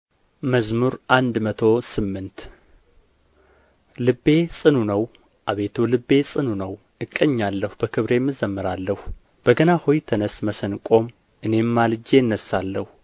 መዝሙር መቶ ስምንት ልቤ ጽኑ ነው አቤቱ ልቤ ጽኑ ነው እቀኛለሁ በክብሬም እዘምራለሁ በገና ሆይ ተነሥ መሰንቆም እኔም ማልጄ እነሣለሁ